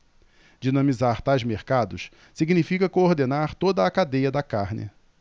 dinamizar tais mercados significa coordenar toda a cadeia da carne